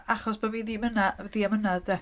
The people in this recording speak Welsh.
Achos bod fi ddimyna- ddiamynedd de.